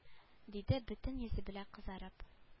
Диде бөтен йөзе белән кызарып